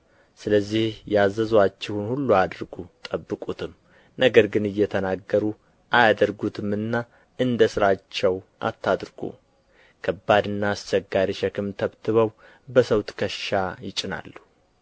ስለዚህ ያዘዙአችሁን ሁሉ አድርጉ ጠብቁትም ነገር ግን እየተናገሩ አያደርጉትምና እንደ ሥራቸው አታድርጉ ከባድና አስቸጋሪ ሸክም ተብትበው በሰው ትከሻ ይጭናሉ